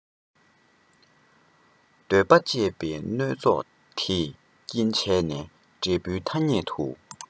འདོད པ སྤྱད པས མནོལ བཙོག དེས རྐྱེན བྱས ནས འབྲས བུའི ཐ སྙད དུ